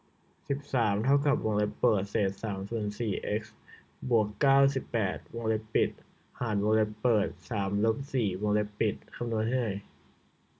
สิบสามเท่ากับวงเล็บเปิดเศษสามส่วนสี่สิบเอ็กซ์บวกเก้าสิบแปดวงเล็บปิดหารวงเล็บเปิดสามลบสี่วงเล็บปิดคำนวณให้หน่อย